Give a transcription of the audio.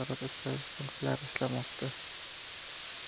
nazorat o'tkazish punktlari ishlamoqda